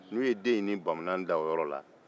n'u ye den in ni bamunan da o yɔrɔ la